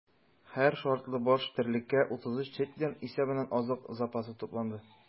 Һәр шартлы баш терлеккә 33 центнер исәбеннән азык запасы тупланды.